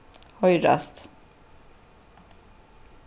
hoyrast